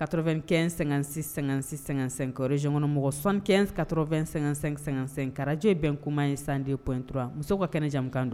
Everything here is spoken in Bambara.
Ka2ɛn---sɛyɔnmɔgɔ sɔnɛn ka2-sɛkarajo ye bɛn kuma in san de ptu musow ka kɛnɛ jamanakan don